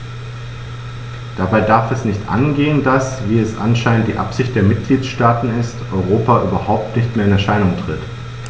Dabei darf es nicht angehen, dass - wie es anscheinend die Absicht der Mitgliedsstaaten ist - Europa überhaupt nicht mehr in Erscheinung tritt.